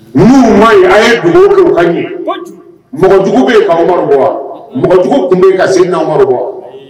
A ye mɔgɔjugu bɛ yen mɔgɔjugu tun bɛ ka se amadu wa